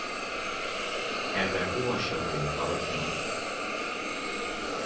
har var bogaskjóting á vøllinum